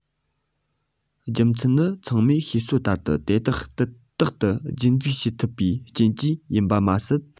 རྒྱུ མཚན ནི ཚང མས ཤེས གསལ ལྟར དུ དེ དག རྟག ཏུ རྒྱུད འཛིན བྱེད ཐུབ པའི རྐྱེན གྱིས ཡིན པ མ ཟད